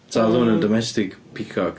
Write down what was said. Ta oedd hwn yn domestig peacock?